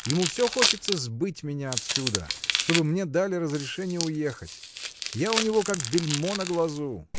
Ему всё хочется сбыть меня отсюда, чтобы мне дали разрешение уехать я у него как бельмо на глазу!